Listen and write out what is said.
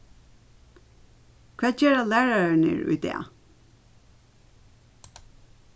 hvat gera lærararnir í dag